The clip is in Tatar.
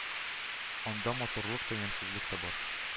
Анда матурлык та, ямьсезлек тә бар